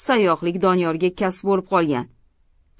sayyoqlik doniyorga kasb bo'lib qolgan